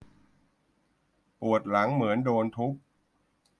ปวดหลังเหมือนโดนทุบ